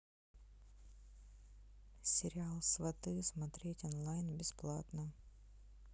сериал сваты смотреть онлайн бесплатно